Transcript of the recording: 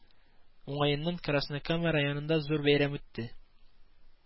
Уңаеннан краснокама районында зур бәйрәм үтте